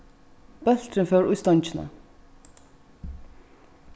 bólturin fór í stongina